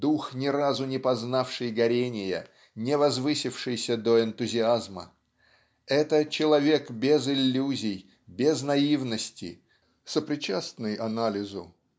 дух, ни разу не познавший горения, не возвысившийся до энтузиазма. Это человек без иллюзий без наивности сопричастный анализу